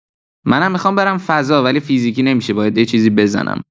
منم می‌خوام برم فضا ولی فیزیکی نمی‌شه باید یه چیزی بزنم